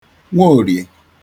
Nworìè